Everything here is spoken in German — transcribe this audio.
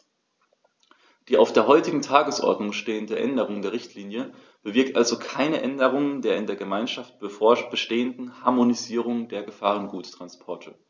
Die auf der heutigen Tagesordnung stehende Änderung der Richtlinie bewirkt also keine Änderung der in der Gemeinschaft bestehenden Harmonisierung der Gefahrguttransporte.